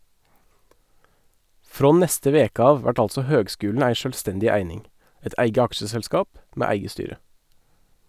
Frå neste veke av vert altså høgskulen ei sjølvstendig eining, eit eige aksjeselskap med eige styre.